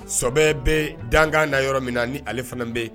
Sɔbɛ bɛ dankan na yɔrɔ min na ni ale fana bɛ yen.